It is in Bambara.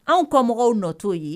Anw kɔ mɔgɔw nɔ t'o ye.